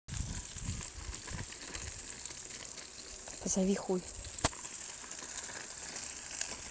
позови хуй